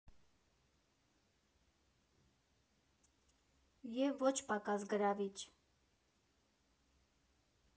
Եվ ոչ պակաս գրավիչ։